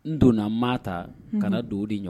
N donna maa ta kana na don di ɲɔgɔn